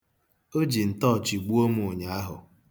O ji ntọọchị gbuo m ụnyaahụ.